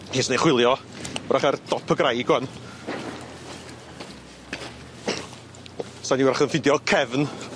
Cê so ni chwilio 'w'rach ar dop y graig rŵan sa'n i 'w'rach yn ffindio cefn